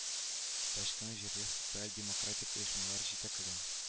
Стачканы җирле социал-демократик оешмалар җитәкли